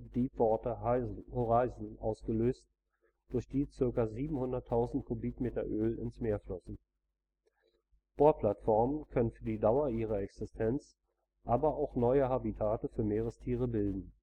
Deepwater Horizon ausgelöst, durch die ca. 700.000 Kubikmeter Öl ins Meer flossen. Bohrplattformen können für die Dauer ihrer Existenz aber auch neue Habitate für Meerestiere bilden